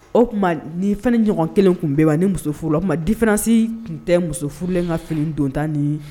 O tuma ni fana ni ɲɔgɔn kelen tun bɛba ni muso furu o tuma di fanasi tun tɛ musof furulen ka fini don tan ni